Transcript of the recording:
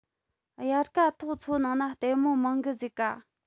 དབྱར གཐོག མཚོ ནང ན ལྟད མོ མང གི ཟེ ག